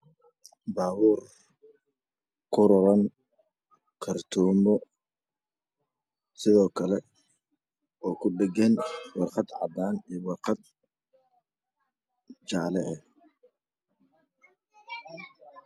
Baabuur ku raran kartoomo sidoo kale oo ku dhagan warqad caddaan iyo warqad jaalle ah